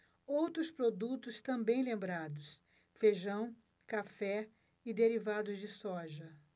outros produtos também lembrados feijão café e derivados de soja